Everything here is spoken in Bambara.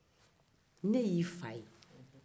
ne y'i fa ye